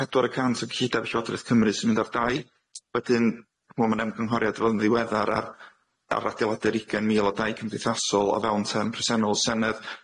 pedwar y cant o gychudeb Llywodraeth Cymru sy'n mynd ar dai wedyn wel ma'n ymgynghoriad fodd yn ddiweddar ar ar radiolade'r ugen mil a dau cymdeithasol o fewn term presennol Senedd.